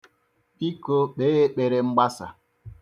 Biko, kpee ekpere mgbasa.